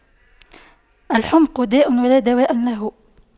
الحُمْقُ داء ولا دواء له